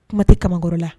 Kuma tɛ kamakɔrɔ la